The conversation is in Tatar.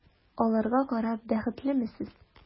Аларга карап бәхетлеме сез?